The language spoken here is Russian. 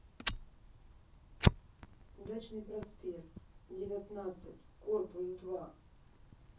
дачный проспект девятнадцать корпус два